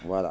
voilà